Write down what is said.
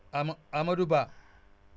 Ama Amadou Ba